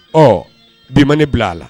Ɔɔ bi ma ne bil'a la